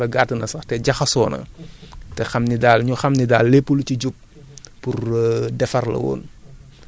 bon xam naa wax ji nag moom gudd na wala gàtt na sax te jaxasoo na